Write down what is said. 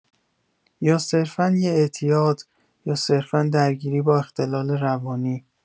یا صرفا یه اعتیاد یا صرفا درگیری با اختلال روانی.